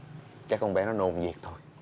chắc con bé nó nôn việc thôi